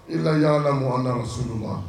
I la yalam wa ana rasulu laahi